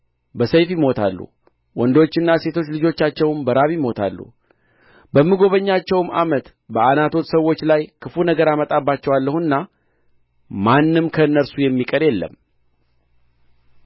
በሰይፍ ይሞታሉ ወንዶችና ሴቶች ልጆቻቸውም በራብ ይሞታሉ በምጐበኛቸውም ዓመት በዓናቶት ሰዎች ላይ ክፉ ነገር አመጣባቸዋለሁና ማንም ከእነርሱ የሚቀር የለም